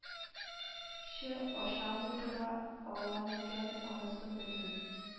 Чы ашамый тора ала микән, анысын белмим